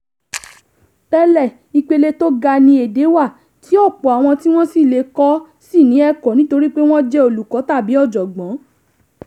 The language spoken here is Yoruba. Tẹ́lẹ̀, ìpele tó ga ni èdè wà tí ọ̀pọ̀ àwọn tí wọ́n sì le kọ ọ́ sì ní ẹ̀kọ́ nítorí pé wọ́n jẹ́ olùkọ́ tàbi ọ̀jọ̀gbọ́n.